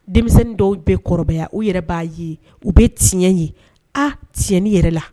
Denmisɛnnin dɔw bɛɛ kɔrɔbaya u yɛrɛ b'a ye u bɛ tiɲɛ ye a tiɲɛni yɛrɛ la